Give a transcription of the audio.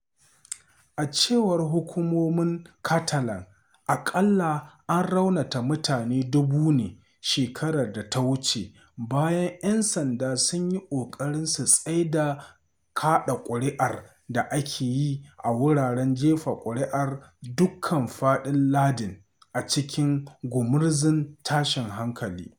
A cewar hukumomin Catalan aƙalla an raunata mutane 1000 ne shekarar da ta wuce bayan ‘yan sanda sun yi ƙoƙarin su tsaida kaɗa ƙuri’ar da ake yi a wuraren jefa ƙuri’ar a dukkan faɗin lardin a cikin gumurzun tashin hankali.